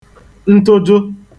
ntụjụ